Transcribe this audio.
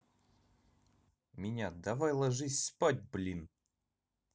меня давай ложись спать блин